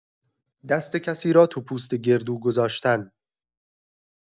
دست کسی را تو پوست گردو گذاشتن